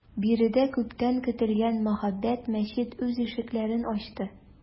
Биредә күптән көтелгән мәһабәт мәчет үз ишекләрен ачты.